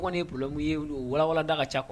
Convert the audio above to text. Ko ni ye problème ye o walawala da ka ca quoi